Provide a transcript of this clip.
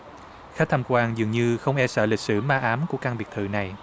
khách tham quan dường như không e sợ lịch sử ma ám của căn biệt thự này